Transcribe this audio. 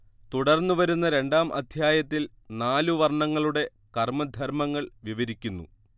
തുടർന്ന് വരുന്ന രണ്ടാം അധ്യായത്തിൽ നാലുവർണങ്ങളുടെ കർമധർമങ്ങൾ വിവരിക്കുന്നു